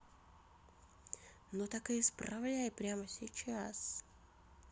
ну так исправляй прямо сейчас